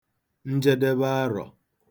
njedebe arọ̀